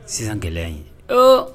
Sisan gɛlɛya in ,ee!